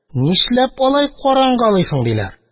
Нишләп алай карангалыйсың? – диләр.